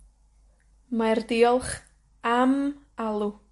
Mae'r diolch am alw.